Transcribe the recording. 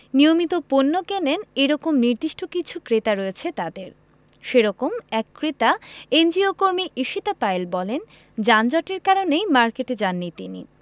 নিয়মিত পণ্য কেনেন এ রকম নির্দিষ্ট কিছু ক্রেতা রয়েছে তাঁদের সে রকম এক ক্রেতা এনজিওকর্মী ঈশিতা পায়েল বলেন যানজটের কারণেই মার্কেটে যাননি তিনি